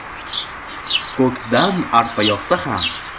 ko'kdan arpa yog'sa